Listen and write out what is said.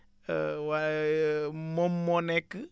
waa ye moom moo nekk